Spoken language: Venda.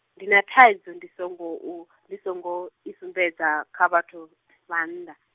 ndi na thaidzo ndi songo u, ndi songo, i sumbedza, kha vhathu, vhannḓa.